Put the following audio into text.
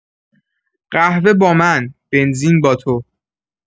قهوه با من، بنزین با تو.